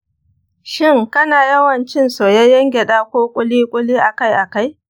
shin kana yawan cin soyayyen gyaɗa ko kuli-kuli akai-akai?